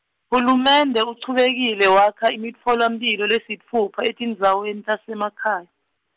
hulumende uchubekile wakha imitfolamphilo lesitfupha etindzaweni tasemakhaya.